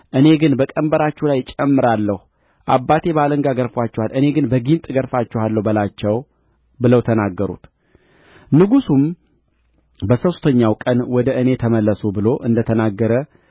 እኔ ግን በቀንበራችሁ ላይ እጨምራለሁ አባቴ በአለንጋ ገርፎአችኋል እኔ ግን በጊንጥ እገርፋችኋለሁ በላቸው ብለው ተናገሩት ንጉሡም በሦስተኛው ቀን ወደ እኔ ተመለሱ ብሎ እንደ ተናገረ